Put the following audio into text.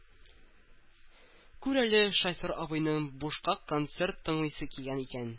Күр әле, шофер абыйның бушка концерт тыңлыйсы килгән икән